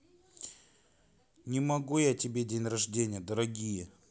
не могу я тебе день рождения дорогие